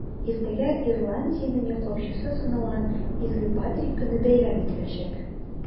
Иртәгә Ирландиянең яклаучысы саналган Изге Патрик көне бәйрәм ителәчәк.